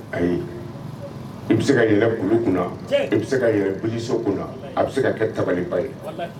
Ayi i bɛ se ka kulu kun i bɛ se ka bilisiso kun a bɛ se ka kɛ tabaliba ye